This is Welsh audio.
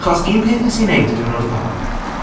Achos, un peth wnes i wneud y diwrnod o'r blaen...